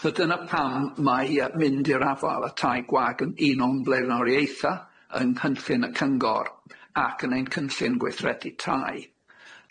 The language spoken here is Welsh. So dyna pam mae yy mynd i'r afal y tai gwag yn un o'n bleunoriautha yng nghynllun y Cyngor ac yn ein cynllun gweithredu tai.